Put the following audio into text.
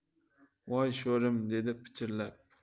voy sho'rim dedi pichirlab